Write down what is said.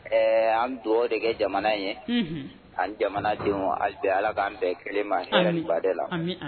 An dɔw de kɛ jamana ye an jamanadenw ale bɛ ala k' an bɛɛ kɛlɛ ma hliba la